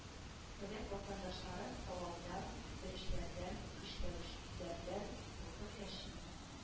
Совет ватандашлары талаудан үтерешләрдән көчләүчләрдән куркып яши